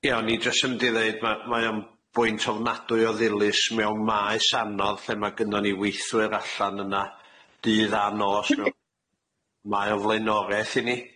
Ie o'n i jyst yn mynd i ddeud ma' mae o'n bwynt ofnadwy o ddilys mewn maes anodd lle ma' gynnon ni weithwyr allan yna dydd a nos mewn- Mae o flaenoreth i ni.